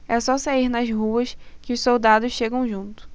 é só sair nas ruas que os soldados chegam junto